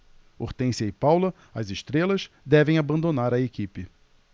hortência e paula as estrelas devem abandonar a equipe